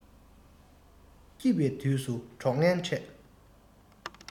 སྐྱིད པའི དུས སུ གྲོགས ངན འཕྲད